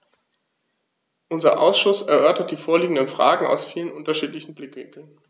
Unser Ausschuss erörtert die vorliegenden Fragen aus vielen unterschiedlichen Blickwinkeln.